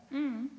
ja.